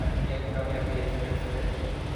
ac yn dianc i fewn i'r gwyll' ag yn lledaenu.